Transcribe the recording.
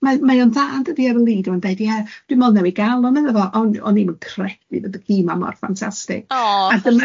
Mae mae o'n dda yn dydi ar y lid dyma fo'n deud ie dwi ond newydd gal o medda fo, ond o'n i'm yn credu bod y ci yma mor ffantastig.